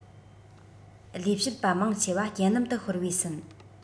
ལས བྱེད པ མང ཆེ བ རྐྱེན ལམ དུ ཤོར བའི ཟིན